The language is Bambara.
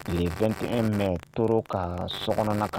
Tile bɛte mɛ to ka sog kan